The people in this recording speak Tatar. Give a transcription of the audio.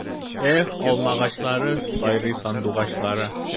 Эх, алмагачлары, сайрый сандугачлары!